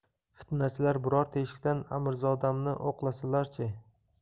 fitnachilar biror teshikdan amirzodamni o'qlasalar chi